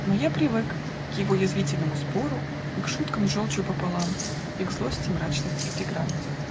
но я привык К его язвительному спору, И к шутке, с желчью пополам, И злости мрачных эпиграмм.